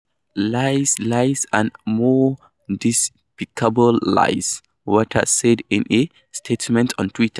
"Lies, lies, and more despicable lies," Waters said in a statement on Twitter.